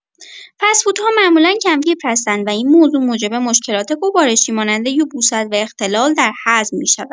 فست‌فودها معمولا کم‌فیبر هستند و این موضوع موجب مشکلات گوارشی مانند یبوست و اختلال در هضم می‌شود.